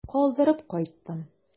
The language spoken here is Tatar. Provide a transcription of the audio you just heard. Калдырып кайттым.